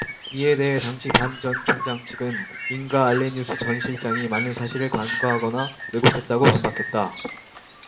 이에 대해 당시 반 전 총장 측은 잉가 알레니우스 전 실장이 많은 사실을 간과하거나 왜곡했다고 반박했다